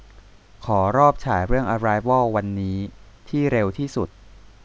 ขอรอบฉายเรื่องอะไรวอลวันนี้ที่เร็วที่สุด